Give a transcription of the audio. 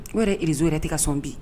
Wɛrɛ yɛrɛ irizo yɛrɛ tɛ ka sɔn bi